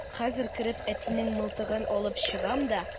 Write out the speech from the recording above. Хәзер кереп әтинең мылтыгын алып чыгам да...